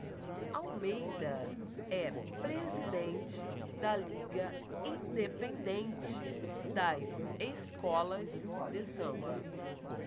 almeida é presidente da liga independente das escolas de samba